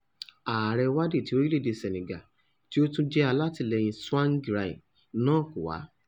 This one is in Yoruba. Ààrẹ Wade tí orílẹ̀-èdè Senegal, tí ó tún jẹ́ alátìlẹ́yìn Tsvangirai, náà kò wá.